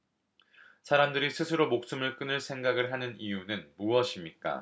사람들이 스스로 목숨을 끊을 생각을 하는 이유는 무엇입니까